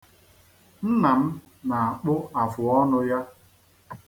Nna m na-akpụ afọọnụ ya.